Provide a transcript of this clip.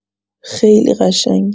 خیلی قشنگ